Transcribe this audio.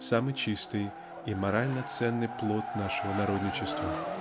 самый чистый и морально-ценный плод нашего народничества.